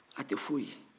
a tɛ f'o ye